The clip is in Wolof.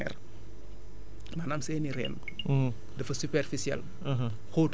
ñoom seen seen système racinaire maanaam seen i reen